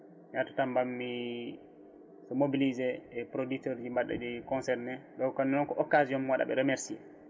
mi artu tan mbanmi mobilisé e producteur uji mbaɗuɗi concerné ɗo kono noon ko occasion mi waɗaɓe remercier